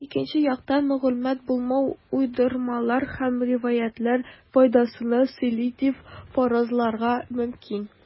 Икенче яктан, мәгълүмат булмау уйдырмалар һәм риваятьләр файдасына сөйли дип фаразларга мөмкин.